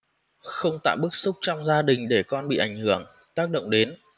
không tạo bức xúc trong gia đình để con bị ảnh hưởng tác động đến